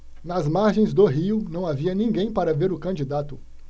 nas margens do rio não havia ninguém para ver o candidato